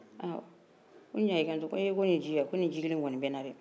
aa ko ɲaa y' i kan to ko ee nin ji in aa ko jikelen in kɔni bɛ na dɛɛ